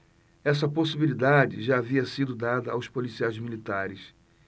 essa possibilidade já havia sido dada aos policiais militares